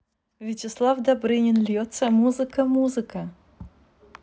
вячеслав добрынин льется музыка музыка